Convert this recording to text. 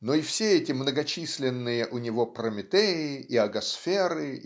но и все эти многочисленные у него Прометеи и Агасферы